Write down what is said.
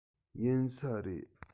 ཡིན ས རེད